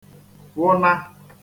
wụna